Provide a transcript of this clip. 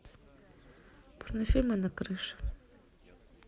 порнофильмы на крыше